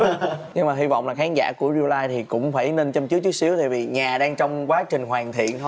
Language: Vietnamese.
nhưng hy vọng là khán giả của diu lai thì cũng phải nên châm chước chút xíu tại vì nhà đang trong quá trình hoàn thiện